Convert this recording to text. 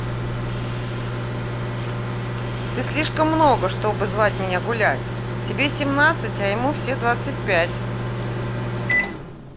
ты слишком много чтобы звать меня гулять тебе семнадцать а ему все двадцать пять